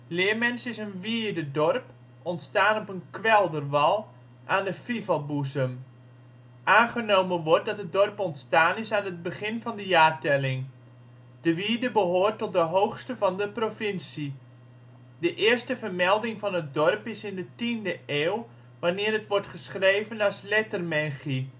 Leermens is een wierdedorp, ontstaan op een kwelderwal aan de fivelboezem. Aangenomen wordt dat het dorp ontstaan is aan het begin van de jaartelling. De wierde behoort tot de hoogste van de provincie. De eerste vermelding van het dorp is in de 10e eeuw wanneer het wordt geschreven als Lethermengi